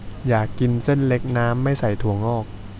อยากกินเส้นเล็กน้ำไม่ใส่ถั่วงอก